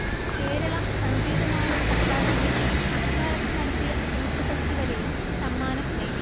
കേരള സംഗീതനാടക അക്കാദമി അക്കാലത്ത് നടത്തിയ യൂത്ത്ഫെസ്റ്റിവലിലും സമ്മാനംനേടി